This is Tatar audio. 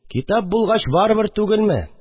Китап булгач барыбер түгелме